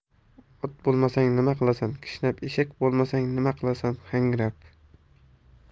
ot bo'lmasang nima qilasan kishnab eshak bo'lmasang nima qilasan hangrab